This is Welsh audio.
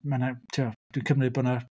Mae 'na tibod... Dwi'n cymryd bod 'na...